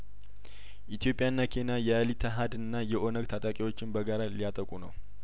ኢትዮጵያና ኬኒያ የአልኢትሀድና የኦነግ ታጣቂዎችን በጋራ ሊያጠቁ ነው